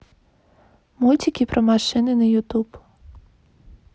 мультики про машины на ютуб